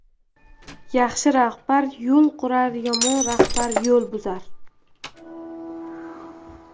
yaxshi rahbar yo'l qurar yomon rahbar yo'l buzar